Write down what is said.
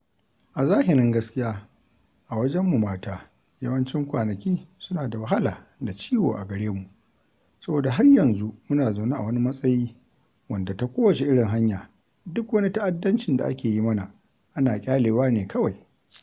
A zahirin gaskiya, a wajenmu mata, yawancin kwanaki suna da wahala da ciwo a gare mu saboda har yanzu muna zaune a wani matsayi wanda, ta kowace irin hanya, duk wani ta'addancin da ake yi mana ana ƙyale wa ne kawai.